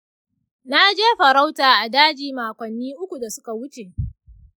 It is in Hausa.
na je farauta a daji makonni uku da suka wuce.